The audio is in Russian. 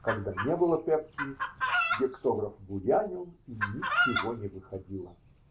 Когда не было Пепки, гектограф буянил, и ничего не выходило.